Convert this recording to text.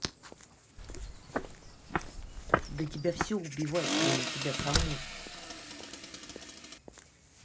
да тебя все убивает кроме тебя самой